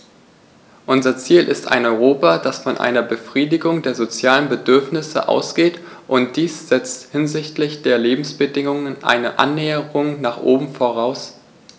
Unser Ziel ist ein Europa, das von einer Befriedigung der sozialen Bedürfnisse ausgeht, und dies setzt hinsichtlich der Lebensbedingungen eine Annäherung nach oben voraus.